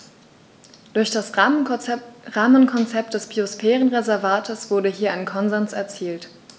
Durch das Rahmenkonzept des Biosphärenreservates wurde hier ein Konsens erzielt.